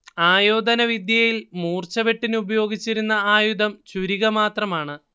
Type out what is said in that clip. ആയോധനവിദ്യയിൽ മൂർച്ചവെട്ടിന് ഉപയോഗിച്ചിരുന്ന ആയുധം ചുരിക മാത്രമാണ്